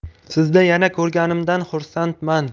sizni yana ko'rganimdan xursandman